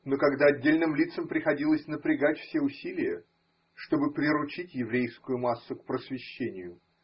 но когда отдельным лицам приходилось напрягать все усилия, чтобы приручить еврейскую массу к просвещению.